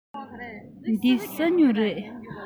འདི ས སྨྱུག རེད